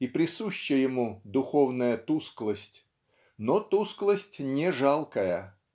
И присуща ему духовная тусклость, но тусклость не жалкая.